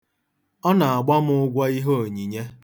Ọ na-agba m ụgwọ ihe onyinye.